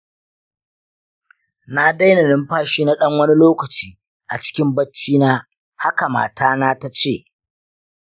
na daina numfashi na ɗan lokaci a cikin bacci na, haka mata na tace.